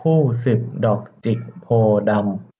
คู่สิบดอกจิกโพธิ์ดำ